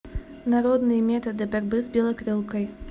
народные методы борьбы с белокрылкой